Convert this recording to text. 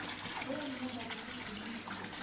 Каян гына барлыкка килдең син